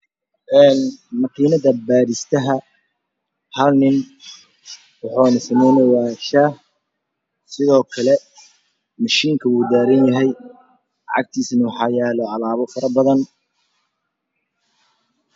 Makiinada baaristaha halnin waxa uuna samaynayaa shaah sidookale mishiinka waa uu daranyahay agtiisana waxaa yaalo aalaabo badan